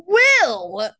Wil?!